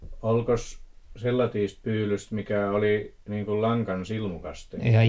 olikos sellaista pyydystä mikä oli niin kuin langan silmukasta tehty